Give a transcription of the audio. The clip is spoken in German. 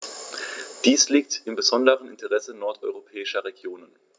Dies liegt im besonderen Interesse nordeuropäischer Regionen.